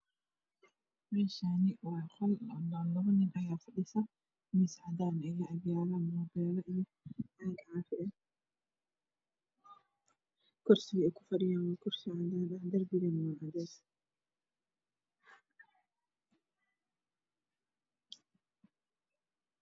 Meeshaani waa labo nin ayaa miis cadaan kursi cadaan darbiga waa cadays